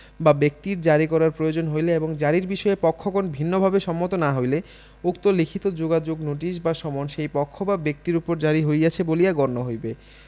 বা ব্যক্তির জারী করার প্রয়োজন হইলে এবং জারীর বিষয়ে পক্ষগণ ভিন্নভাবে সম্মত না হইলে উক্ত লিখিত যোগাযোগ নোটিশ বা সমন সেই পক্ষ বা ব্যক্তির উপর জারী হইয়াছে বলিয়া গণ্য হইবে